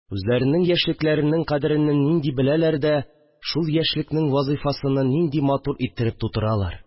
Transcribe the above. Үзләренең яшьлекләренең кадерене нинди беләләр дә шул яшьлекнең вазифасыны нинди матур иттереп тутыралар